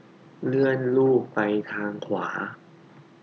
เลื่อนรูปไปทางขวา